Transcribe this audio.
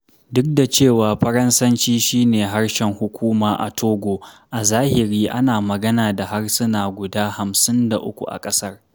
Duk da cewa Faransanci shi ne harshen hukuma a Togo, a zahiri ana magana da harsuna gida 53 a ƙasar.